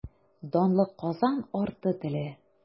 Данлы Казан арты теле.